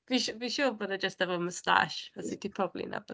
Fi s- fi'n siŵr bod e jyst efo mwstash, fyse ti probably nabod.